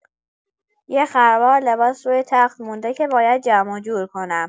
یه خروار لباس رو تخت مونده که باید جمع و جور کنم.